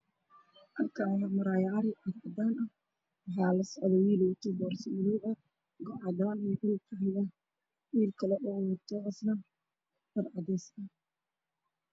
Halkaan waxaa maraayo ari cadaan ah waxaa lasocdo wiil wato boorso madow ah iyo go cadaan ah, wiil kaloo wato dhar cadeys.